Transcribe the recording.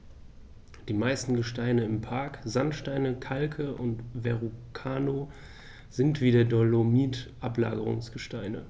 Die meisten Gesteine im Park – Sandsteine, Kalke und Verrucano – sind wie der Dolomit Ablagerungsgesteine.